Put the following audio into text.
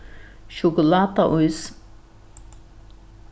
sjokulátaís